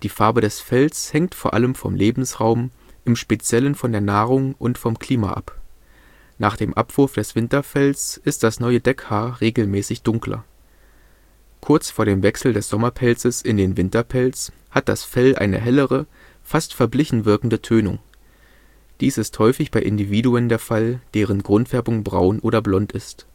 Farbe des Fells hängt vor allem vom Lebensraum, im Speziellen von der Nahrung und vom Klima, ab. Nach dem Abwurf des Winterfells ist das neue Deckhaar regelmäßig dunkler. Kurz vor dem Wechsel des Sommerpelzes in den Winterpelz hat das Fell eine hellere, fast verblichen wirkende Tönung. Dies ist häufig bei Individuen der Fall, deren Grundfärbung braun oder blond ist